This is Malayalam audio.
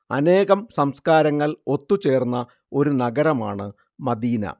അനേകം സംസ്കാരങ്ങൾ ഒത്തുചേർന്ന ഒരു നഗരമാണ് മദീന